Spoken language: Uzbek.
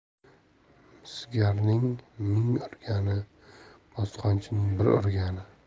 misgarning ming urgani bosqonchining bir urgani